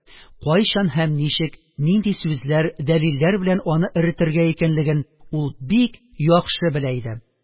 Кайчан һәм ничек, нинди сүзләр, дәлилләр белән аны эретергә икәнлеген ул бик яхшы белә иде